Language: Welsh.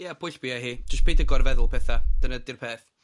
ie, pwll buai hi, jys pyd y gor-feddwl pethau. Dyn di'r peth. Nath Endaf ddau,